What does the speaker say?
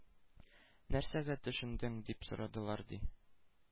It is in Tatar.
— нәрсәгә төшендең? — дип сорадылар, ди.